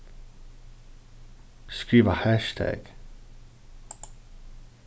skriva hassjtagg